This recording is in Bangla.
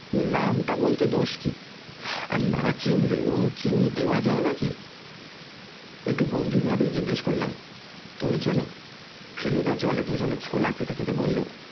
কিন্তু নামটা বলতে দোষ কী আর না চিনলেও চিনিয়ে দেওয়া যায় না কি একটি গম্ভীরভাবেই জিজ্ঞেস করলাম তুমি চেনো ফেলুদা জলে ভেজানো ছোলা খেতে খেতে বলল